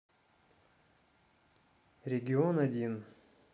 регион один